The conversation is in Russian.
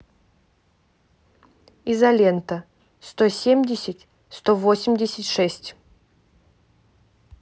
изолента сто семьдесят сто восемьдесят шесть